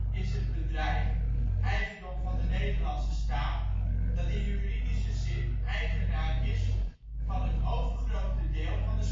is het bedrijf (eigendom van de Nederlandse Staat) dat in juridische zin eigenaar is van het overgrote deel van de